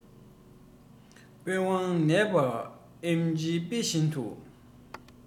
དཔོན འབངས ནད པ ཨེམ ཆིའི དཔེ བཞིན དུ